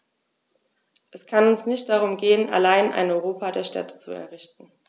Es kann uns nicht darum gehen, allein ein Europa der Städte zu errichten.